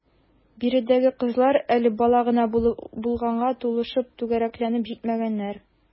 Биредәге кызлар әле бала гына булганга, тулышып, түгәрәкләнеп җитмәгәннәр.